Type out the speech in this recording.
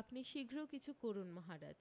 আপনি শীঘ্র কিছু করুণ মহারাজ